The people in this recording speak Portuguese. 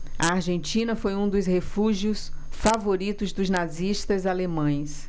a argentina foi um dos refúgios favoritos dos nazistas alemães